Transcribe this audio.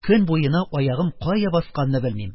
Көн буена аягым кая басканны белмим.